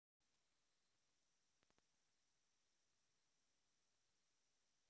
что было вчера